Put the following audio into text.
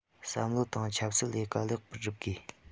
བསམ བློ དང ཆབ སྲིད ལས ཀ ལེགས པར བསྒྲུབ དགོས